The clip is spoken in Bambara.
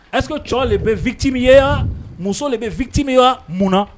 Ɛsseke c de bɛ fitimiya muso de bɛ fitimiya mun